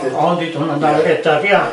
O yndi, 'di hwnna'n dal i redag ia.